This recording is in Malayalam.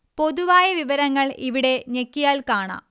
പൊതുവായ വിവരങ്ങൾ ഇവിടെ ഞെക്കിയാൽ കാണാം